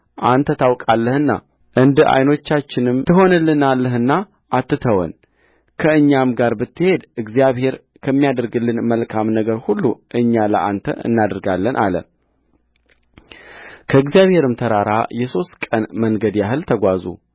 አንተ ታውቃለህና እንደ ዓይኖቻችንም ትሆንልናለህና አትተወንከእኛም ጋር ብትሄድ እግዚአብሔር ከሚያደርግልን መልካም ነገር ሁሉ እኛ ለአንተ እናደርጋለን አለከእግዚአብሔርም ተራራ የሦስት ቀን መንገድ ያህል ተጓዙ